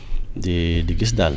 di di gis daal